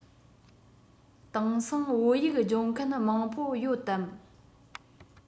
དེང སང བོད ཡིག སྦྱོང མཁན མང པོ ཡོད དམ